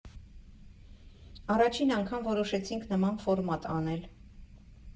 Առաջին անգամ որոշեցինք նման ֆորմատ անել։